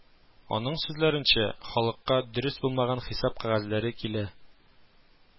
Аның сүзләренчә, халыкка дөрес булмаган хисап кәгазьләре килә